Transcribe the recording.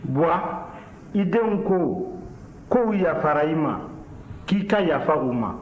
baba i denw ko ko u yafara i ma k'i ka yafa u ma